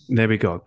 There we go.